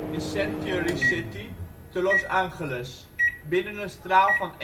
in Century City te Los Angeles, binnen een straal van